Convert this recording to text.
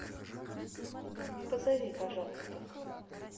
позови пожалуйста